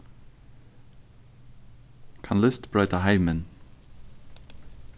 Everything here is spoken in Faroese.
kann list broyta heimin